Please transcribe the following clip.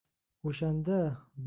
o'shanda biz bir gala